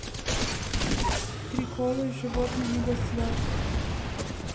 приколы с животными до слез